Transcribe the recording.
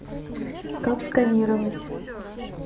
как сканировать